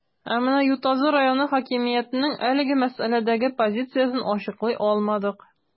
Ә менә Ютазы районы хакимиятенең әлеге мәсьәләдәге позициясен ачыклый алмадык.